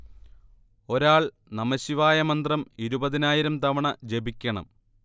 ഒരാൾ നമഃശിവായ മന്ത്രം ഇരുപതിനായിരം തവണ ജപിക്കണം